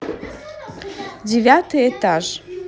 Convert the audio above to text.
девятый этаж